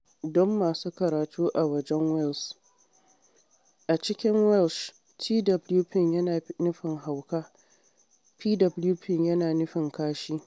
Don masu karatu a wajen Wales: A cikin Welsh twp yana nufin hauka kuma pwp yana nufin kashi.